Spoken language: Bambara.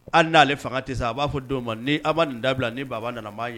Hali n'ale fanga tɛ se, a b'a fɔ denw ma ni a ma nin dabila ni baba nana ma